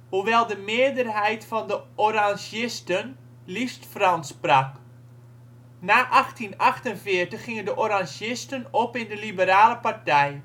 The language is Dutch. hoewel de meerderheid van de orangisten liefst Frans sprak. Na 1848 gingen de orangisten op in de Liberale Partij